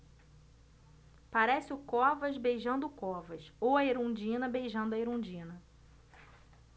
parece o covas beijando o covas ou a erundina beijando a erundina